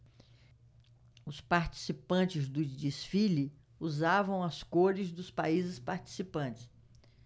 os participantes do desfile usavam as cores dos países participantes